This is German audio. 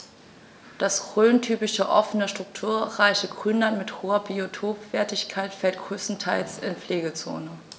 Das rhöntypische offene, strukturreiche Grünland mit hoher Biotopwertigkeit fällt größtenteils in die Pflegezone.